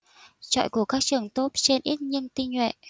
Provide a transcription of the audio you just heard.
chọi của các trường top trên ít nhưng tinh nhuệ